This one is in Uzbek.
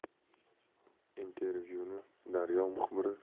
intervyuni daryo muxbiri